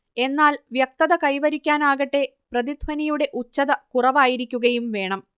എന്നാൽ വ്യക്തത കൈവരിക്കാനാകട്ടെ പ്രതിധ്വനിയുടെ ഉച്ചത കുറവായിരിക്കുകയും വേണം